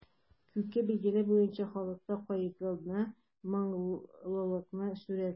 Күке, билгеле булганча, халыкта кайгыны, моңлылыкны сурәтли.